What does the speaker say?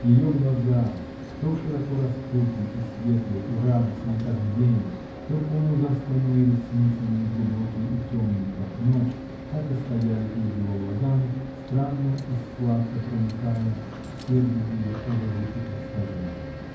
Ее глаза, то широко раскрытые и светлые и радостные, как день, то полузастланные ресницами и глубокие и темные, как ночь, так и стояли перед его глазами, странно и сладко проникая все другие образы и представления.